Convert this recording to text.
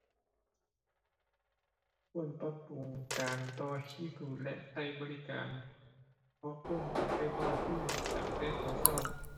ควรปรับปรุงการต่อคิวและใช้บริการ เพราะคนต้องไปต่อคิวตั้งแต่ใช้ใช้